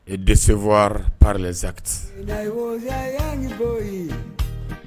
Et décévoir par les actes